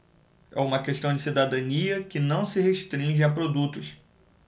é uma questão de cidadania que não se restringe a produtos